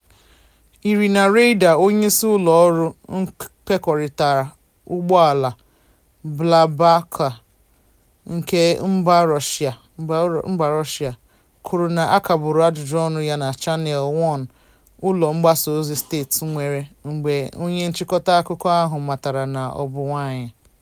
Irina Reyder, onyeisi ụlọọrụ nkekọrịta ụgbọala BlaBlaCar nke mba Russia, kwuru na a kagburu ajụjụọnụ ya na Channel One ụlọ mgbasaozi steeti nwere mgbe onye nchịkọta akụkọ ahụ matara na ọ bụ nwaanyị.